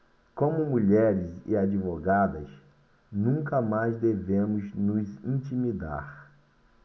como mulheres e advogadas nunca mais devemos nos intimidar